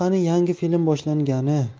yangi film boshlangani